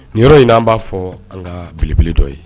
Nin yɔrɔ in anan b'a fɔ an ka beleb dɔ ye